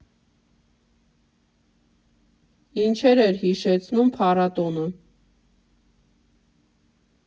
Ինչ էր հիշեցնում փառատոնը։